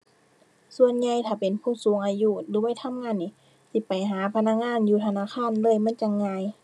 ส่วนใหญ่ถ้าเป็นผู้สูงอายุหรือวัยทำงานหนิ สิไปหาพนักงานอยู่ธนาคารเลย มันจั่งง่าย